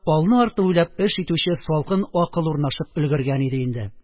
Алны-артны уйлап эш итүче салкын акыл урнашып өлгергән иде инде